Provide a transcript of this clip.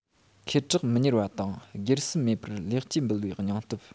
ཁེ གྲགས མི གཉེར བ དང སྒེར སེམས མེད པར ལེགས སྐྱེས འབུལ བའི སྙིང སྟོབས